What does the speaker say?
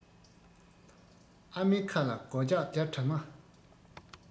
ཨ མའི ཁ ལ སྒོ ལྕགས བརྒྱབ དྲགས ན